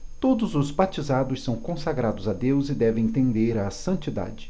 todos os batizados são consagrados a deus e devem tender à santidade